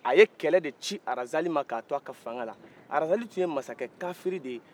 a ye kɛlɛ de ci razali man k'a to a ka fanga la razali tun ye masakɛ kafiri de ye